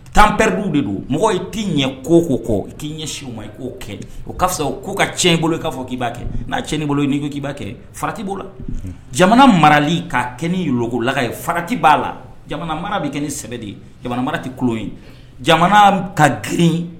Tanpɛridu de don mɔgɔ'i ɲɛ ko' kɔ i k'i ɲɛ si o ma i k'o kɛ o ka fisa ko ka cɛ in bolo k'a fɔ k'ia kɛ n'a tii bolo ye nii ko k'i baa kɛ farati' la jamana marali'a kɛ golaka ye farati b'a la jamana mara bɛ kɛ ne sɛbɛ de ye jamana mara tɛ kolon ye jamana ka grin